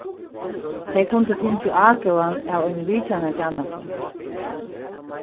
tey kundu fingið ágóðan av eini vitjanartænastu